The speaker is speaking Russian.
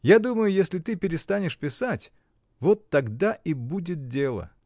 Я думаю, если ты перестанешь писать — вот тогда и будет дело.